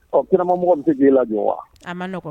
Ɔ kirama mɔgɔ bɛ se k'i la don wa an ma kɔnɔ